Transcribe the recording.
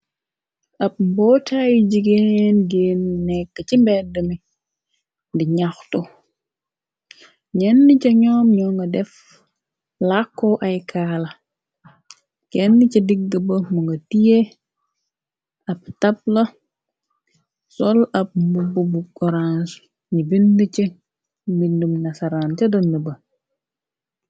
Ab mbootay jigeen gien nekk ci mbedd mi di ñaxtu ñenn ca ñoom ñoo nga def làkkoo ay kaala kenn ca digg ba mu nga tiyee ab tab la sol ab mbubbu bu corange ni bind ca mbindum nasaraan ca donn ba.